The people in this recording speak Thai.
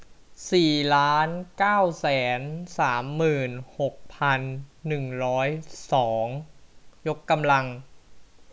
สี่ล้านเก้าแสนสามหมื่นหกพันหนึ่งร้อยสองยกกำลัง